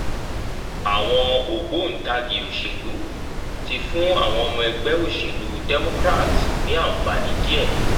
Àwọn ògbóǹkangí òṣèlú ti fún àwọn ọmọ ẹgbẹ́ òṣèlú Democrats ní àǹfààní díẹ̀.